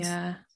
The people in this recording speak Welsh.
Ia.